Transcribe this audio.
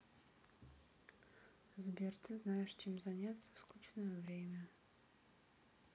сбер ты знаешь чем заняться в скучное время